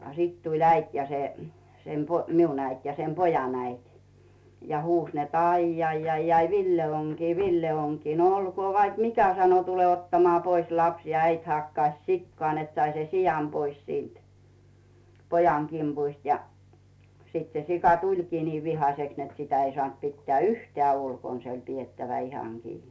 ja sitten tuli äiti ja se sen - minun äiti ja sen pojan äiti ja huusi että aijai Villellä on kiinni Ville on kiinni no olkoon vaikka mikä sanoi tule ottamaan pois lapsi ja äiti hakkasi sikaa että sai sen sian pois siitä pojan kimpusta ja sitten se sika tulikin niin vihaiseksi että sitä ei saanut pitää yhtään ulkona se oli pidettävä ihan kiinni